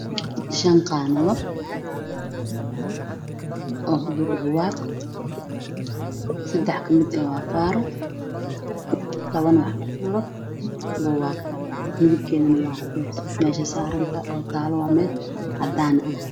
Meeshaan waxaa ka muuqdo shan qaanadood oo ay ku jiraan buugag